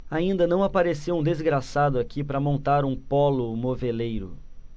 ainda não apareceu um desgraçado aqui para montar um pólo moveleiro